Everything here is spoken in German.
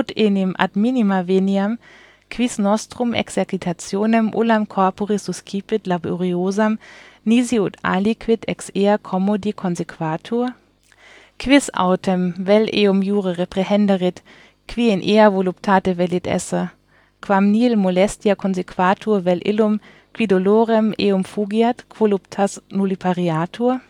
enim ad minima veniam, quis nostrum exercitationem ullam corporis suscipit laboriosam, nisi ut aliquid ex ea commodi consequatur? Quis autem vel eum iure reprehenderit, qui in ea voluptate velit esse, quam nihil molestiae consequatur, vel illum, qui dolorem eum fugiat, quo voluptas nulla pariatur